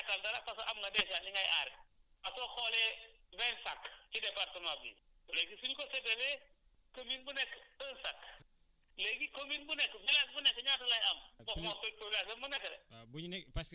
su amee bénéfice la su amulee du la yàqal dara parce que am nga dèjà li ngay aaree soo xoolee 20 sacs si département bi léegi su ñu ko séddalee commune bu nekk un sac léegi commune bu nekk village bu nekk ñaata lay am